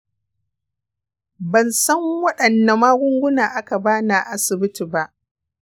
ban san waɗanne magunguna aka ba ni a asibiti ba.